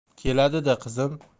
keladi da qizim